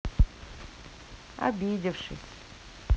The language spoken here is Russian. обидевшись